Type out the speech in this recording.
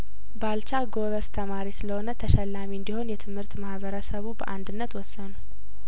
ባልቻ ጐበዝ ተማሪ ስለሆነ ተሸላሚ እንዲሆን የትምህርት ማህበረሰቡ በአንድነት ወሰኑ